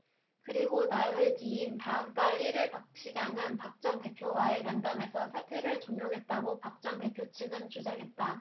그리고 나흘 뒤인 다음 달 일 일 박 시장은 박 전 대표와의 면담에서 사퇴를 종용했다고 박 전 대표 측은 주장했다